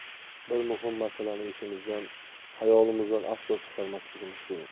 bir muhim masalani esimizdan xayolimizdan aslo chiqarmasligimiz kerak